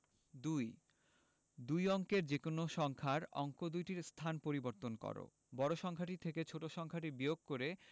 ২ দুই অঙ্কের যেকোনো সংখ্যার অঙ্ক দুইটির স্থান পরিবর্তন কর বড় সংখ্যাটি থেকে ছোট সংখ্যাটি বিয়োগ করে